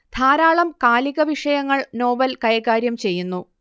ധാരാളം കാലിക വിഷയങ്ങൾ നോവൽ കൈകാര്യം ചെയ്യുന്നു